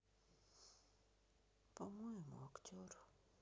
по моему актер